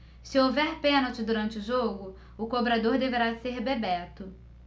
se houver pênalti durante o jogo o cobrador deverá ser bebeto